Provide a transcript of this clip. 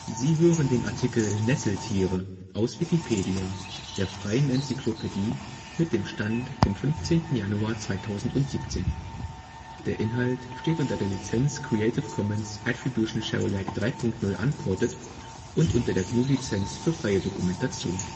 Sie hören den Artikel Nesseltiere, aus Wikipedia, der freien Enzyklopädie. Mit dem Stand vom Der Inhalt steht unter der Lizenz Creative Commons Attribution Share Alike 3 Punkt 0 Unported und unter der GNU Lizenz für freie Dokumentation